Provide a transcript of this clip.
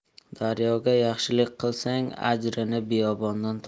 daryoga yaxshilik qilsang ajrini biyobondan topasan